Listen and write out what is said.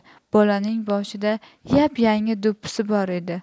bolaning boshida yap yangi do'ppisi bor edi